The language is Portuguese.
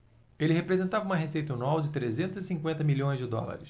ele representava uma receita anual de trezentos e cinquenta milhões de dólares